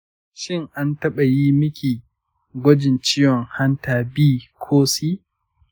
shin an taɓa yi miki gwajin ciwon hanta b ko c?